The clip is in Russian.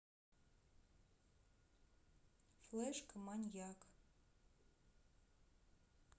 флешка маньяк